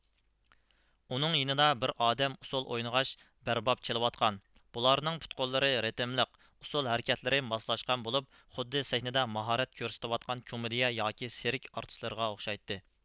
ئۇنىڭ يېنىدا بىر ئادەم ئۇسسۇل ئوينىغاچ بەرباب چېلىۋاتقان بۇلارنىڭ پۇت قوللىرى رېتىملىق ئۇسسۇل ھەرىكەتلىرى ماسلاشقان بولۇپ خۇددى سەھنىدە ماھارەت كۆرسىتىۋاتقان كومېدىيە ياكى سېرك ئارتىسلىرىغا ئوخشايتتى